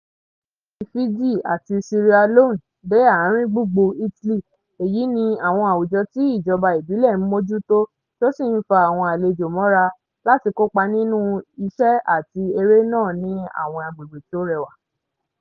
Láti Fiji àti Sierra Leaone dé àárín gbùgbù Italy, èyí ní àwọn àwùjọ tí ìjọba ìbílẹ̀ ń mójútó tó sì ń fa àwọn àlejò mọ́ra láti kópa nínu iṣẹ́ àti eré náà ní àwọn agbègbè tó rẹwà.